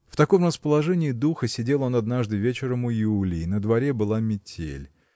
В таком расположении духа сидел он однажды вечером у Юлии. На дворе была метель.